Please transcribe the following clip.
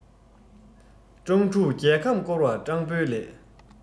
སྤྲང ཕྲུག རྒྱལ ཁམས བསྐོར བ སྤྲང པོའི ལས